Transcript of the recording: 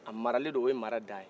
a maralen don o ye mara dan ye